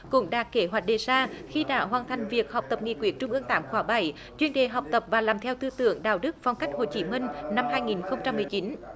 cũng đạt kế hoạch đề ra khi đã hoàn thành việc học tập nghị quyết trung ương tám khóa bảy chuyên đề học tập và làm theo tư tưởng đạo đức phong cách hồ chí minh năm hai nghìn không trăm mười chín